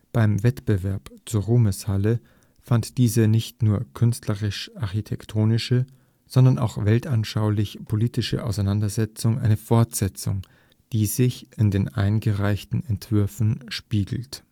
Beim Wettbewerb zur Ruhmeshalle fand diese nicht nur künstlerisch-architektonische, sondern auch weltanschaulich-politische Auseinandersetzung eine Fortsetzung, die sich in den eingereichten Entwürfen spiegelt